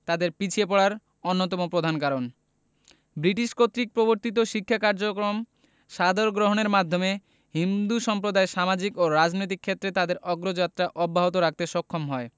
তাদের পিছিয়ে পড়ার অন্যতম প্রধান কারণ ব্রিটিশ কর্তৃক প্রবর্তিত শিক্ষা কার্যক্রম সাদরে গ্রহণের মাধ্যমে হিন্দু সম্প্রদায় সামাজিক ও রাজনৈতিক ক্ষেত্রে তাদের অগ্রযাত্রা অব্যাহত রাখতে সক্ষম হয়